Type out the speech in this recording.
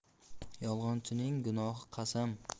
yolg'onchining guvohi qasam